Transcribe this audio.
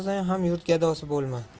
ham yurt gadosi bo'lma